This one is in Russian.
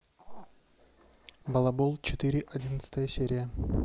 балабол четыре одиннадцатая серия